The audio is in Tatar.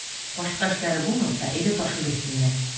Башка эшләре булмаса, әйдә ташый бирсеннәр.